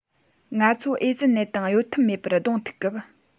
ང ཚོ ཨེ ཙི ནད དང གཡོལ ཐབས མེད པར གདོང ཐུག སྐབས